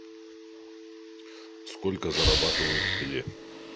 сколько зарабатывают пеле